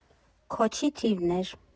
Քոչի թիվն էր։